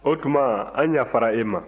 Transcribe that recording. o tuma an yafara e ma